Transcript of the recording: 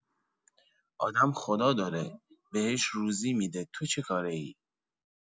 آدم خدا داره بهش روزی می‌ده تو چیکاره‌ای؟